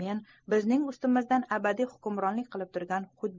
men bizning ustimizdan abadiy hukmronlik qilib turgan